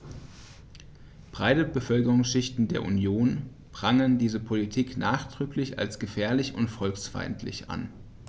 Breite Bevölkerungsschichten der Union prangern diese Politik nachdrücklich als gefährlich und volksfeindlich an.